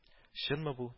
Чынмы бу